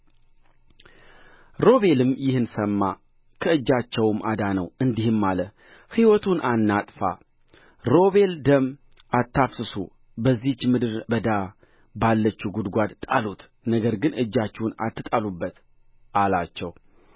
ሮቤልም ይህን ሰማ ከእጃቸውም አዳነው እንዲህም አለ ሕይወቱን አናጥፋ ሮቤል ደም አታፍስሱ በዚህች ምድረ በዳ ባለችው ጕድጓድ ጣሉት ነገር ግን እጃችሁን አትጣሉበት አላቸው